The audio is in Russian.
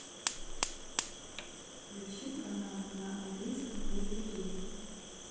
включи канал на английском языке